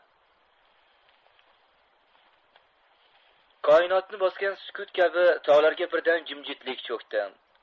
koinotni bosgan sukut kabi toglarga birdan jimjitlik cho'kdi